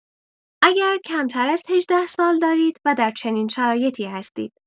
اگر کمتر از هجده سال دارید و در چنین شرایطی هستید.